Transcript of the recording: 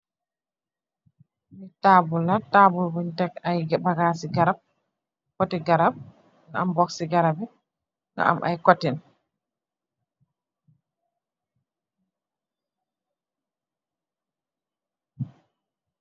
Tabol la bounge tek aye garrap potti garrap aye boxci garrap la nga am aye cotton .